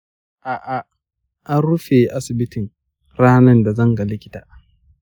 aa, anrufe asibitin ranan dazanga likita.